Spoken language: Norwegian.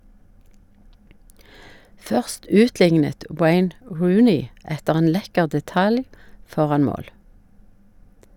Først utliknet Wayne Rooney etter en lekker detalj foran mål.